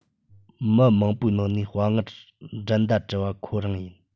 མི མང པོའི ནང ནས དཔའ ངར འགྲན ཟླ བྲལ བ ཁོ རང ཡིན